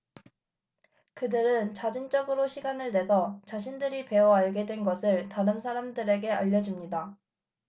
그들은 자진적으로 시간을 내서 자신들이 배워 알게 된 것을 다른 사람들에게 알려 줍니다